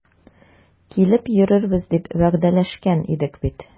Килеп йөрербез дип вәгъдәләшкән идек бит.